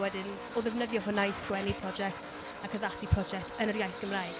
Wedyn, o ddefnyddio hwnna i sgwennu prosiect ac addasu prosiect yn yr iaith Gymraeg.